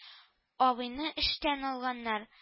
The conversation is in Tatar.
— абыйны эштән алганнар